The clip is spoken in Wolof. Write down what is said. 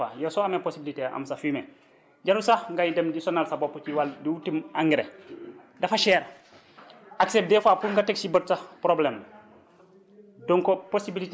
donc loolu moo tax des fois yow soo amee possibilité am sa fumier jarul sax ngay dem di sonal sa bopp ci wàllu wutum engrais dafa cher accès bi dèjà pour nga teg si bët sax problème la